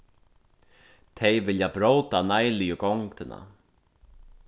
tey vilja bróta neiligu gongdina